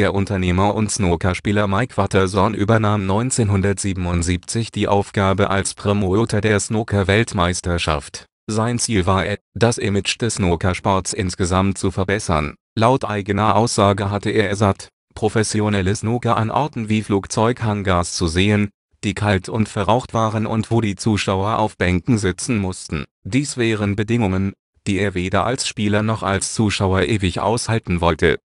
Unternehmer und Snookerspieler Mike Watterson übernahm 1977 die Aufgabe als Promoter der Snookerweltmeisterschaft. Sein Ziel war es, das Image des Snookersports insgesamt zu verbessern. Laut eigener Aussage hatte er es satt, professionelles Snooker an Orten wie Flugzeug-Hangars zu sehen, die kalt und verraucht waren und wo die Zuschauer auf Bänken sitzen mussten. Dies wären Bedingungen, die er weder als Spieler noch als Zuschauer ewig aushalten wollte